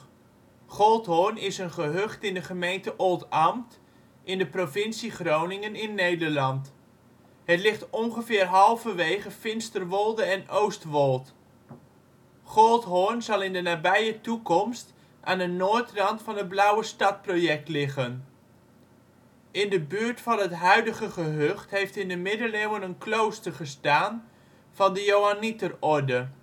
Goldhoorn is een gehucht in de gemeenteOldambt, in de provincie Groningen (Nederland). Het ligt ongeveer halverwege Finsterwolde en Oostwold. Goldhoorn zal in de nabije toekomst aan de noordrand van het Blauwestad-project liggen. In de buurt van het huidige gehucht heeft in de middeleeuwen een klooster gestaan van de Johannieter Orde